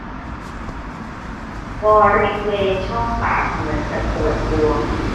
บริเวณช่องปากเหมือนจะปวดบวม